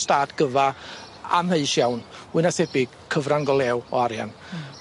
stad gyfa amheus iawn mwy na thebyg cyfran go lew o arian.